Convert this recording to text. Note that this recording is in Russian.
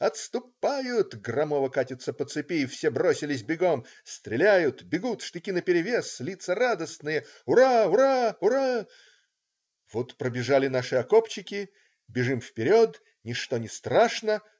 отступают!" - громово катится по цепи, и все бросились бегом. стреляют. бегут. штыки наперевес. лица радостные. ура!. ура!. ура!. Вот пробежали наши окопчики. Бежим вперед. Ничего не страшно.